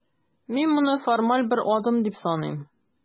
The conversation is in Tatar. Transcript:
Мин моны формаль бер адым дип саныйм.